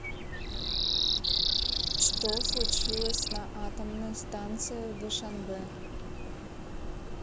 что случилось на атомной станции в душанбе